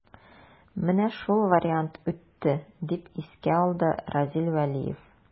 Менә шул вариант үтте, дип искә алды Разил Вәлиев.